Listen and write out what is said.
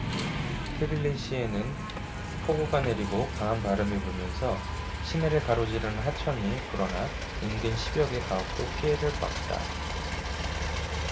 트빌리시에는 폭우가 내리고 강한 바람이 불면서 시내를 가로지르는 하천이 불어나 인근 십 여 개 가옥도 피해를 봤다